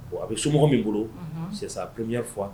Bon a bɛ somɔgɔw min bolo c'est sa première fois